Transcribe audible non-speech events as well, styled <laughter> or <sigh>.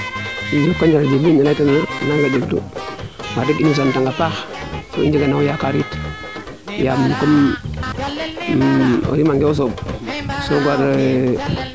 njoko njal Djiby ne ley ta noona naaga jeg tu wax deg in way sant ang a paax to i njega na wo wo yakaar it yaam koy o rima nge o sooɓ <unintelligible>